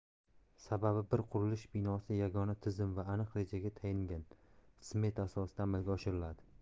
sababi bir qurilish binosi yagona tizim va aniq rejaga tayangan smeta asosida amalga oshiriladi